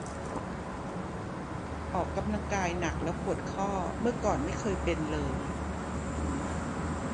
ออกกำลังกายหนักแล้วปวดข้อเมื่อก่อนไม่เคยเป็นเลย